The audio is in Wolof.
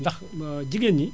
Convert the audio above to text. ndax jigéen ñi